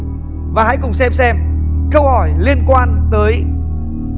và hãy cùng xem xem câu hỏi liên quan tới